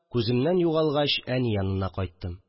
Күземнән югалгач, әни янына кайттым